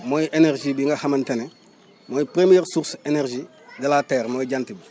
mooy énezrgie bi nga xamante ne mooy première source énergie de la terre :framooy jant bi